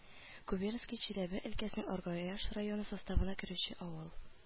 Губернское Чиләбе өлкәсенең Аргаяш районы составына керүче авыл